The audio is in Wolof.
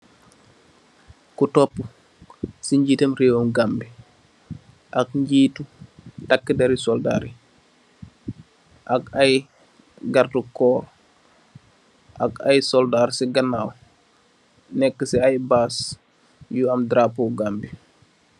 Ku toopu si ñjitu rëwum Gambiya, ak ñjitu, takkë dérru soldaar yi, ak ay garde koor, ak ay soldaar si ganaaw, neekë si ay baas yu am darapoo Gambi.